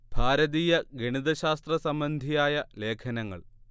ഭാരതീയ ഗണിത ശാസ്ത്ര സംബന്ധിയായ ലേഖനങ്ങൾ